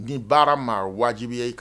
Ni baara maa wajibiya i kan